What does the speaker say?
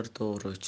mehr to'g'ri uchun